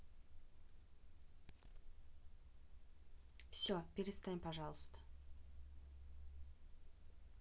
все перестань пожалуйста